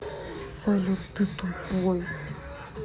салют ты тупой